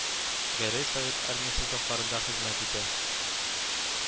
Гәрәй Совет Армиясе сафларында хезмәт итә